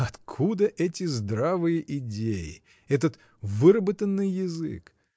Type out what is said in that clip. — Откуда эти здравые идеи, этот выработанный язык?